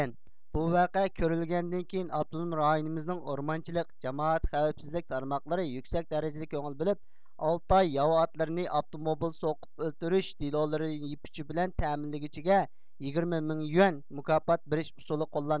بۇ ۋەقە كۆرۈلگەندىن كېيىن ئاپتونوم رايونىمىزنىڭ ئورمانچىلىق جامائەت خەۋپسىزلىك تارماقلىرى يۈكسەك دەرىجىدە كۆڭۈل بۆلۈپ ئالتاي ياۋا ئاتلىرىنى ئاپتوموبىل سوقۇپ ئۆلتۈرۈش دېلولىرىنى يىپ ئۇچى بىلەن تەمىنلىگۈچىگە يىگىرمە مىڭ يۈەن مۇكاپات بېرىش ئۇسولى قوللاندى